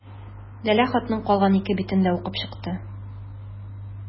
Ләлә хатның калган ике битен дә укып чыкты.